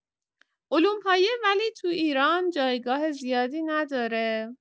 علوم پایه ولی تو ایران جایگاه زیادی نداره.